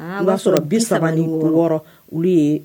N b'a sɔrɔ bi saba ni wɔɔrɔ olu ye